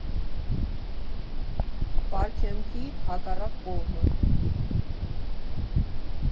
Բարքեմփի հակառակ կողմը։